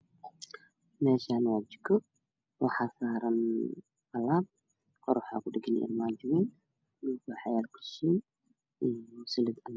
Meeshaan waa jiko waxaa saaran alaab kor waxaa ku dhagan armaajo wayn dhulkaan waxaa yaalo kursi silig camal